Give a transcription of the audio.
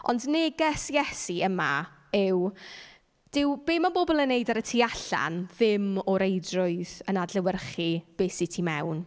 Ond neges Iesu yma yw 'dyw be ma' pobl yn wneud ar y tu allan ddim o reidrwydd yn adlewyrchu be sy tu mewn.